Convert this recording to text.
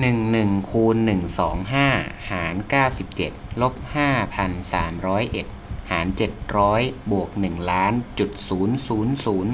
หนึ่งหนึ่งคูณหนึ่งสองห้าหารเก้าสิบเจ็ดลบห้าพันสามร้อยเอ็ดหารเจ็ดร้อยบวกหนึ่งล้านจุดศูนย์ศูนย์ศูนย์